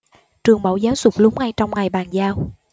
trường mẫu giáo sụt lún ngay trong ngày bàn giao